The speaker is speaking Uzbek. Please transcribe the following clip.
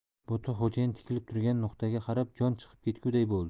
bo'tqa xo'jayin tikilib turgan nuqtaga qarab joni chiqib ketguday bo'ldi